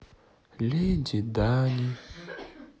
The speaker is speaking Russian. леди дани